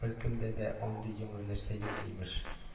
Беркемдә дә андый яңа нәрсә юк имеш